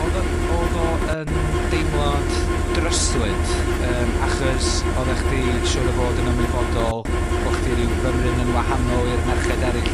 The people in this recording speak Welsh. Odd o odd o yn deimlad dryslyd yym achos oddach chdi, siŵr o fod yn ymwybodol bo' chdi ryw fymryn yn wahanol i'r merched eryll